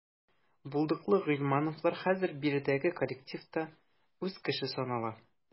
Булдыклы гыйльмановлар хәзер биредәге коллективта үз кеше санала.